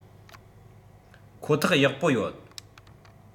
ཁོ ཐག ཡག པོ ཡོད